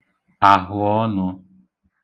àhụ̀ọnụ̄